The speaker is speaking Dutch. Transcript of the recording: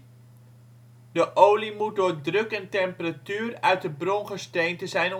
olie moet door druk en temperatuur uit het brongesteente zijn